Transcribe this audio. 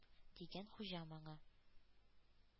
— дигән хуҗа моңа.